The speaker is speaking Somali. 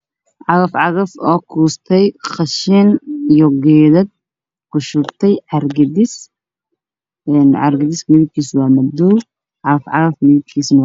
Cagaf cagaf oo kuustay qashin